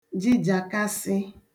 jịjàkasị